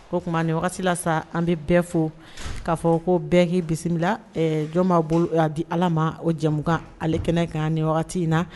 O tuma nin wagati la an bɛ bɛɛ fo k' fɔ ko bɛɛki bisimila la jɔn b'a bolo di ala ma o jɛmu ale kɛnɛ kan nin wagati in na